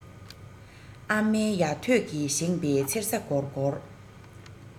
ཨ མའི ཡ ཐོད ཀྱིས བཞེངས པའི མཚེར ས སྒོར སྒོར